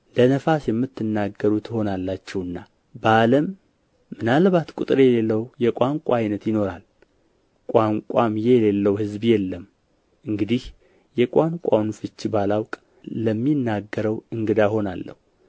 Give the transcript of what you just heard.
ለነፋስ የምትናገሩ ትሆናላችሁና በዓለም ምናልባት ቁጥር የሌለው የቋንቋ ዓይነት ይኖራል ቋንቋም የሌለው ሕዝብ የለም እንግዲህ የቋንቋውን ፍች ባላውቅ ለሚናገረው እንግዳ እሆናለሁ